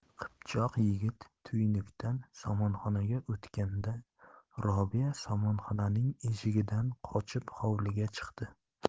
qipchoq yigit tuynukdan somonxonaga o'tganda robiya somonxonaning eshigidan qochib hovliga chiqdi